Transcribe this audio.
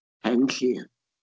Pen Llŷn.